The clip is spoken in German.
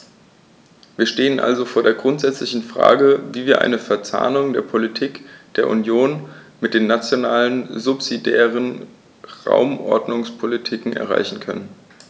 Wir stehen also vor der grundsätzlichen Frage, wie wir eine Verzahnung der Politik der Union mit den nationalen subsidiären Raumordnungspolitiken erreichen können.